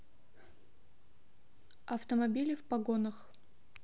автомобили в погонах